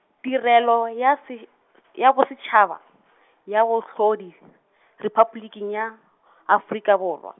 Tirelo ya se , ya Bosetšhaba, ya Bohlodi , Repabliking ya, Afrika Borwa.